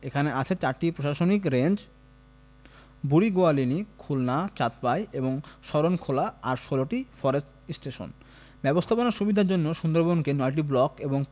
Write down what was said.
খানে আছে চারটি প্রশাসনিক রেঞ্জ বুড়িগোয়ালিনি খুলনা চাঁদপাই এবং শরণখোলা আর ১৬টি ফরেস্ট স্টেশন ব্যবস্থাপনার সুবিধার জন্য সুন্দরবনকে নয়টি ব্লক এবং